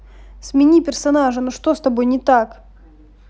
смени персонажа ну что с тобой не так